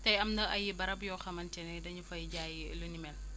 tey am na ay barab yoo xamante ne dañu fay jaay lu ni mel